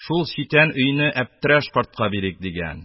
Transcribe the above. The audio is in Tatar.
Шул читән өйне әптерәш картка бирик, - дигән.